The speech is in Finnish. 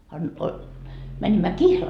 a niin - menimme kihlalle